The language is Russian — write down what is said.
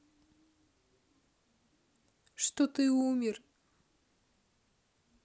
что ты умер